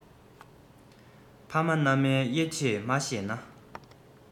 ཕ མ མནའ མའི དབྱེ འབྱེད མ ཤེས ན